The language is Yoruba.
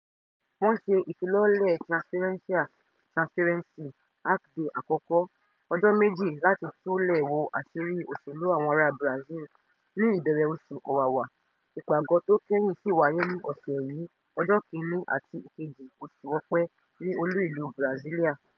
Wọ́n ṣe ìfilọ́lẹ̀ Transparência [Transparency] Hackday àkọ́kọ́, “ọjọ́ mejì láti túlẹ̀ wo àṣìrí òṣèlú àwọn ará Brazil” ní ìbẹ̀rẹ̀ oṣù Ọ̀wàwà, ìpàgọ́ tó kẹ́yìn sì wáyé ní ọ̀sẹ̀ yìí ọjọ́ 1st àti 2nd oṣù Ọ̀pẹ ní olú ìlu Brasília [pt].